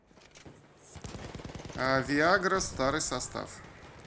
виагра старый состав